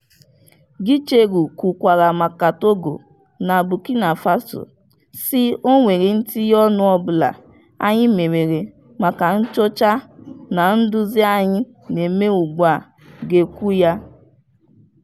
Gicheru kwukwara maka Togo na Burkina Faso, sị, o nwere ntinye ọnụ ọbụla anyị mewere maka nchọcha na nduzi anyị na-eme ugbua ga ekwu ya.